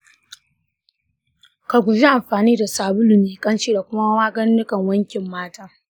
ka guji amfani da sabulu mai kamshi da kuma magungunan wankin mata.